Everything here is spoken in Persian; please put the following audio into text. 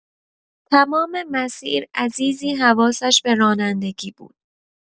تمام مسیر عزیزی حواسش به رانندگی بود.